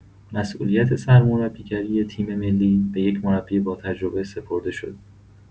مسئولیت سرمربی‌گری تیم‌ملی به یک مربی با تجربه سپرده شد.